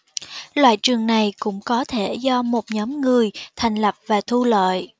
loại trường này cũng có thể do một nhóm người thành lập và thu lợi